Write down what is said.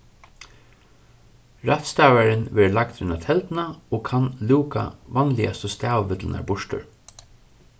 rættstavarin verður lagdur inn á telduna og kann lúka vanligastu stavivillurnar burtur